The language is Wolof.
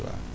waaw